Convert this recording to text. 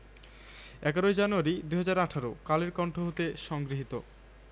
শোন রে কাতিয়া পান মৃত্যু তরণ দুয়ারে দুয়ারে জীবনের আহবান ভাঙ রে ভাঙ আগল চল রে চল রে চল চল চল চল